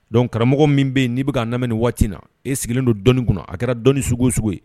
Donc karamɔgɔ min be yen ni bɛ kan lamɛn nin waati in na e sigilen don dɔni kunna a kɛra dɔnni sugu o sugu ye.